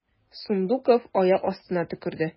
Сундуков аяк астына төкерде.